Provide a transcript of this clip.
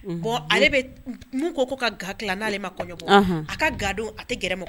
unhun, bon ale bɛ mun ko ka ga tila n'ale ma kɔɲɔbɔ, anhan, a ka ga don a tɛ gɛrɛ mɔgɔ